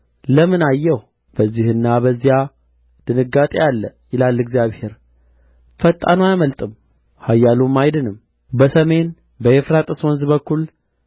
ለምን አየሁ በዚህና በዚያ ድንጋጤ አለ ይላል እግዚአብሔር ፈጣኑ አያመልጥም ኃያሉም አይድንም በሰሜን በኤፍራጥስ ወንዝ በኩል